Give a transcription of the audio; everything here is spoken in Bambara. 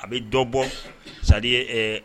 A bɛ dɔ bɔ sa